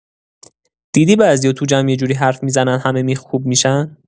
دیدی بعضیا تو جمع یجوری حرف می‌زنن همه میخکوب می‌شن!